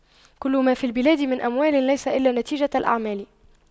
كل ما في البلاد من أموال ليس إلا نتيجة الأعمال